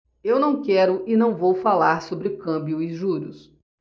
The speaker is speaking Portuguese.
eu não quero e não vou falar sobre câmbio e juros